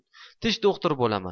tish do'xtiri bo'laman